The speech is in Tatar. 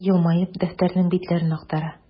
Елмаеп, дәфтәрнең битләрен актара.